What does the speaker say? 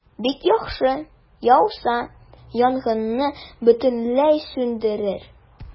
Бик яхшы, яуса, янгынны бөтенләй сүндерер.